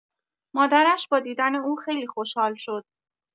مادرش با دیدن او خیلی خوشحال شد.